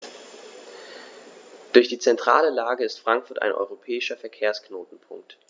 Durch die zentrale Lage ist Frankfurt ein europäischer Verkehrsknotenpunkt.